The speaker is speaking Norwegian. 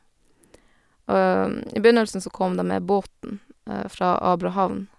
Og i begynnelsen så kom dem med båten fra Abrahavn.